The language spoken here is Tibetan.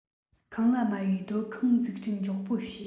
ཁང གླ དམའ བའི སྡོད ཁང འཛུགས སྐྲུན མགྱོགས པོ བྱས